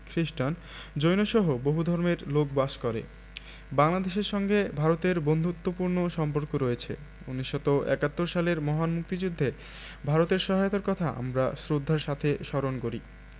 খ্রিস্টান জৈনসহ বহু ধর্মের লোক বাস করে বাংলাদেশের সঙ্গে ভারতের বন্ধুত্তপূর্ণ সম্পর্ক রয়ছে ১৯৭১ সালের মহান মুক্তিযুদ্ধে ভারতের সহায়তার কথা আমরা শ্রদ্ধার সাথে স্মরণ করি